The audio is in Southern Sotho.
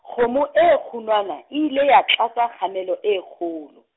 kgomo e kgunwana e ile ya tlatsa kgamelo e kgolo.